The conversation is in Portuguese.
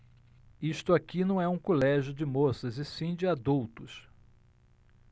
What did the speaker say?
isto aqui não é um colégio de moças e sim de adultos